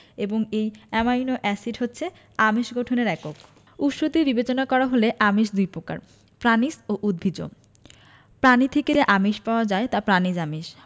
এবং এই amino acid হচ্ছে আমিষ গঠনের একক উৎস দিয়ে বিবেচনা করা হলে আমিষ দুই প্রকার প্রাণিজ ও উদ্ভিজ্জ প্রাণী থেকে যে আমিষ পাওয়া যায় তা প্রাণিজ আমিষ